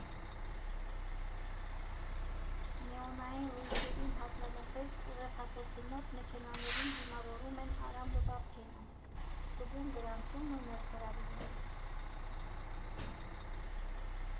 Նեոնային լույսերին հասնելուն պես ուղեփակոցի մոտ մեքենաներին դիմավորում են Արամն ու Բաբկենը, ստուգում գրանցումն ու ներս հրավիրում։